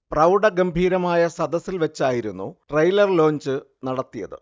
പ്രൗഢഗംഭീരമായ സദസ്സിൽ വെച്ചായിരുന്നു trailer launch നടത്തിയത്